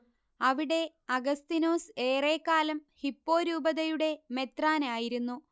അവിടെ അഗസ്തീനോസ് ഏറെക്കാലം ഹിപ്പോ രൂപതയുടെ മെത്രാനായിരിരുന്നു